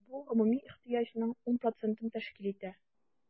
Бу гомуми ихтыяҗның 10 процентын тәшкил итә.